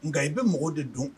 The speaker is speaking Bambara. Nka i bɛ mɔgɔw de don